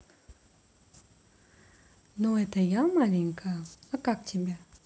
ну это я маленький а как тебя